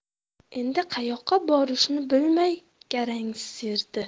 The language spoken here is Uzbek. endi qayoqqa borishini bilmay garangsidi